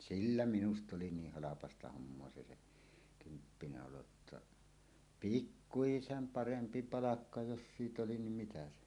sillä minusta oli niin halpaa hommaa se se kymppinä olo jotta pikkuisen parempi palkka jos siitä oli niin mitä se